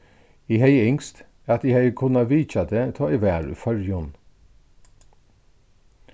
eg hevði ynskt at eg hevði kunnað vitjað teg tá ið eg var í føroyum